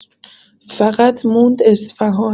فقط موند اصفهان